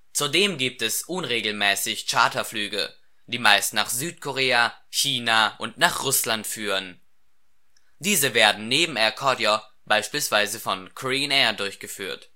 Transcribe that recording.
Zudem gibt es unregelmäßig Charterflüge, die meist nach Südkorea, China und nach Russland führen. Diese werden neben Air Koryo beispielsweise von Korean Air durchgeführt